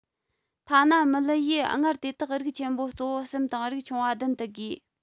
ཐ ན མུ ལི ཡིས སྔར དེ དག རིགས ཆེན པོ གཙོ བོ གསུམ དང རིགས ཆུང བ བདུན དུ བགོས